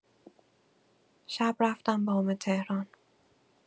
شب رفتم بام تهران.